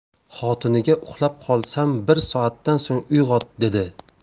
xotiniga uxlab qolsam bir soatdan so'ng uyg'ot dedi